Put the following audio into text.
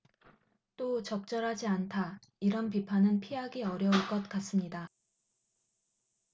또 적절하지 않다 이런 비판은 피하기는 어려울 것 같습니다